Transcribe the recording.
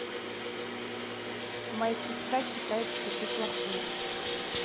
а моя сестра считает что ты плохой